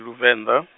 Luvenḓa .